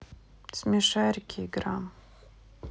смешарики игра